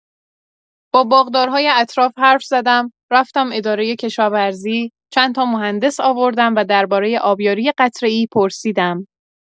با باغدارهای اطراف حرف زدم، رفتم ادارۀ کشاورزی، چند تا مهندس آوردم و دربارۀ آبیاری قطره‌ای پرسیدم.